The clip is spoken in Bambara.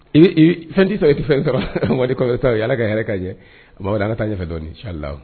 Ee fɛn tɛ sɔrɔ i tɛ fɛn saba wali ala ka hɛrɛ ka jɛ a an ka taa dɔɔninɔnin sali la